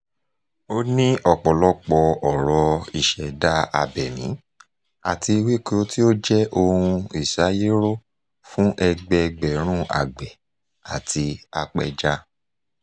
Ó ní ọ̀pọ̀lọpọ̀ ọrọ̀ ìṣẹ̀dá abẹ̀mí àti ewéko tí ó jẹ́ ohun ìsayéró fún ẹgbẹẹ̀gbẹ̀rún àgbẹ̀ àti apẹja.